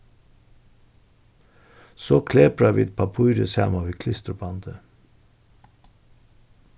so klepra vit pappírið saman við klisturbandi